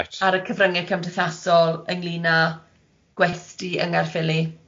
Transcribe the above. Ar y cyfrynge cymdeithasol ynglŷn â gwesty yng Nghaerffili